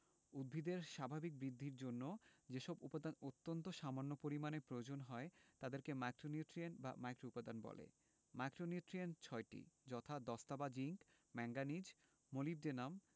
উদ্ভিদের স্বাভাবিক বৃদ্ধির জন্য যেসব উপাদান অত্যন্ত সামান্য পরিমাণে প্রয়োজন হয় তাদেরকে মাইক্রোনিউট্রিয়েন্ট বা মাইক্রোউপাদান বলে মাইক্রোনিউট্রিয়েন্ট ৬টি যথা দস্তা বা জিংক ম্যাংগানিজ মোলিবডেনাম